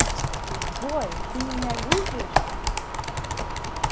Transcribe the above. джой ты меня любишь